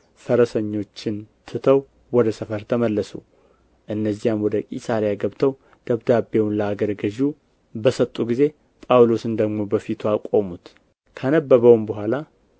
ፈረሰኞችን ትተው ወደ ሰፈር ተመለሱ እነዚያም ወደ ቂሣርያ ገብተው ደብዳቤውን ለአገረ ገዡ በሰጡ ጊዜ ጳውሎስን ደግሞ በፊቱ አቆሙት ካነበበውም በኋላ